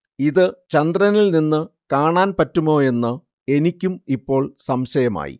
ഇതു ചന്ദ്രനിൽ നിന്നു കാണാൻ പറ്റുമോയെന്ന് എനിക്കും ഇപ്പോൾ സംശയമായി